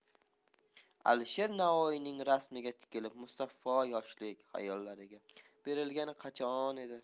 alisher navoiyning rasmiga tikilib musaffo yoshlik xayollariga berilgani qachon edi